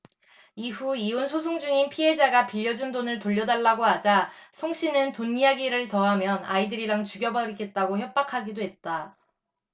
이후 이혼 소송중인 피해자가 빌려준 돈을 돌려달라고 하자 송씨는 돈 이야기를 더 하면 아이들이랑 죽여버리겠다고 협박하기도 했다